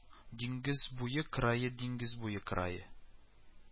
Диңгез буе крае Диңгез буе крае